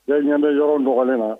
E ɲɛ bɛ yɔrɔ nɔgɔlen na